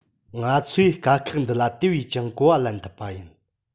ང ཚོས དཀའ ཁག འདི ལ དེ བས ཀྱང གོ བ ལེན ཐུབ པ ཡིན